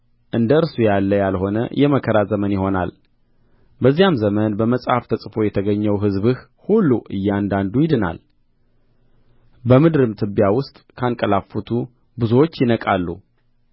እንደ እርሱ ያለ ያልሆነ የመከራ ዘመን ይሆናል በዚያም ዘመን በመጽሐፉ ተጽፎ የተገኘው ሕዝብህ ሁሉ እያንዳንዱ ይድናል በምድርም ትቢያ ውስጥ ካንቀላፉቱ ብዙዎች ይነቃሉ